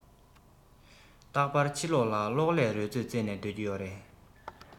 རྟག པར ཕྱི ལོག ལ གློག ཀླད རོལ རྩེད རྩེད ནས སྡོད ཀྱི ཡོད རེད